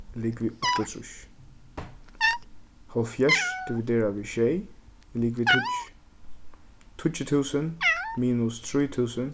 ligvið áttaogtrýss hálvfjerðs dividerað við sjey er ligvið tíggju tíggju túsund minus trý túsund